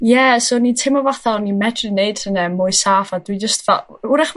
ie, so o'n i teimlo fatha o'n i medru neud hwnna mwy saf a dwi jys fel hw- 'wrach